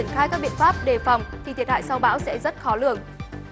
triển khai các biện pháp đè phòng thì thiệt hại sau bão rất khó lường